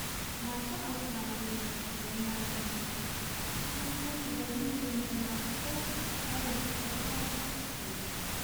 Masu amfani da kafar yanar gizo sun kushe dalilan da masu ɗaukaka ƙarar suka gabatar a kotu.